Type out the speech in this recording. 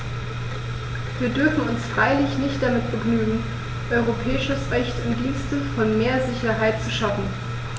Wir dürfen uns freilich nicht damit begnügen, europäisches Recht im Dienste von mehr Sicherheit zu schaffen.